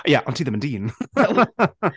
Ie ond ti ddim yn dyn.